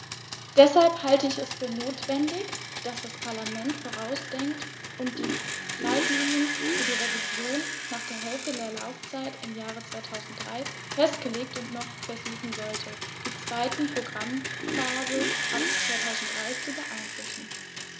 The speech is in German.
Deshalb halte ich es für notwendig, dass das Parlament vorausdenkt und die Leitlinien für die Revision nach der Hälfte der Laufzeit im Jahr 2003 festlegt und noch versuchen sollte, die zweite Programmphase ab 2003 zu beeinflussen.